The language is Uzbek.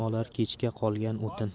olar kechga qolgan o'tin